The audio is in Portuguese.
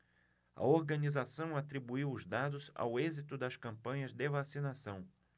a organização atribuiu os dados ao êxito das campanhas de vacinação